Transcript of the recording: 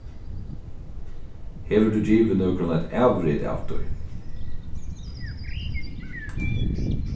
hevur tú givið nøkrum eitt avrit av tí